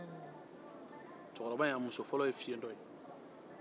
cɛkɔrɔba muso folɔ ye fiyentɔ ye